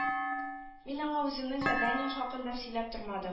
Мин аңа үземнең заданием хакында сөйләп тормадым